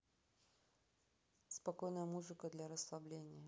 спокойная музыка для расслабления